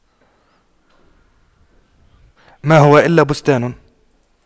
ما هو إلا بستان